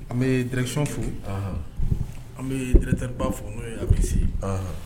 An bɛ dɛrɛrec fo aa an bɛ dtba fo n'o ye a bisimila aa